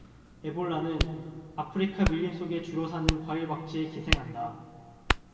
에볼라는 아프리카 밀림 속에 주로 사는 과일박쥐에 기생한다